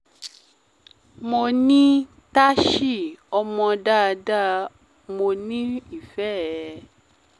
Mo ní, “Tashi, ọmọ dáadáa, mo ní ìfẹ ẹ.